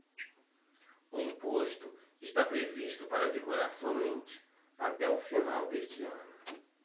o imposto está previsto para vigorar somente até o final deste ano